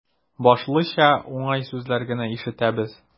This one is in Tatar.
Башлыча, уңай сүзләр генә ишетәбез.